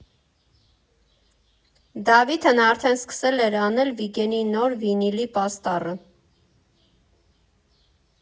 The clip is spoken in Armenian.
Դավիթն արդեն սկսել էր անել Վիգենի նոր վինիլի պաստառը։